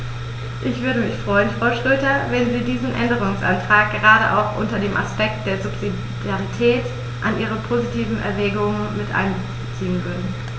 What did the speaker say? Ich würde mich freuen, Frau Schroedter, wenn Sie diesen Änderungsantrag gerade auch unter dem Aspekt der Subsidiarität in Ihre positiven Erwägungen mit einbeziehen würden.